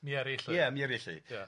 Mieryll 'lly. Ie Mieryll 'lly. Ia.